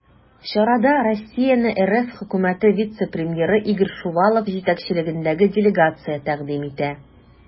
Чарада Россияне РФ Хөкүмәте вице-премьеры Игорь Шувалов җитәкчелегендәге делегация тәкъдим итә.